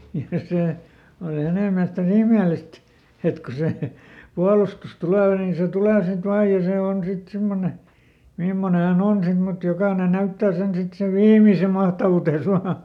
ja se oli hänen mielestä niin ihmeellistä että kun se puolustus tulee niin se tulee sitten vain ja se on sitten semmoinen mimmoinen hän on sitten mutta jokainen näyttää sen sitten sen viimeisen mahtavuutensa vain